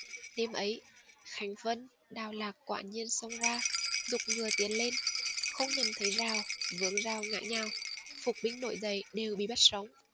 đêm ấy khánh vân đạo lạc quả nhiên xông ra giục ngựa tiến lên không nhận thấy rào vướng rào ngã nhào phục binh nổi dậy đều bị bắt sống